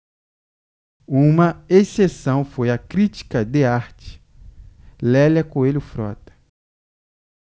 uma exceção foi a crítica de arte lélia coelho frota